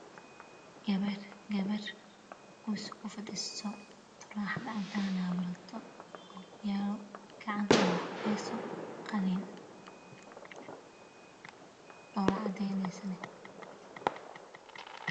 Gabar kursi ku fadhiyaa okiyalo gacanta wax ku hayso shoola cadaynayso